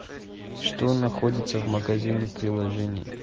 что находится в магазине приложений